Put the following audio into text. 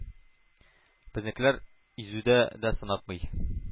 Безнекеләр йөзүдә дә сынатмый